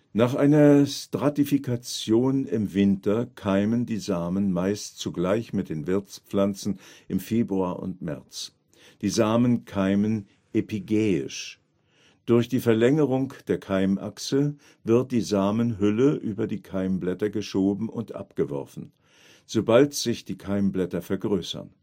Nach einer Stratifikation im Winter keimen die Samen meist zeitgleich mit den Wirtspflanzen im Februar und März. Die Samen keimen epigäisch. Durch die Verlängerung der Keimachse wird die Samenhülle über die Keimblätter geschoben und abgeworfen, sobald sich die Keimblätter vergrößern